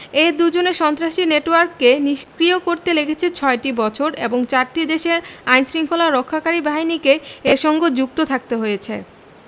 এই দুজনের সন্ত্রাসী নেটওয়ার্ককে নিষ্ক্রিয় করতে লেগেছে ছয়টি বছর এবং চারটি দেশের আইনশৃঙ্খলা রক্ষাকারী বাহিনীকে এর সঙ্গে যুক্ত থাকতে হয়েছে